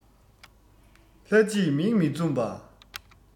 ལྷ ཅིག མིག མི འཛུམ པ